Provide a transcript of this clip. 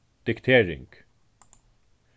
diktering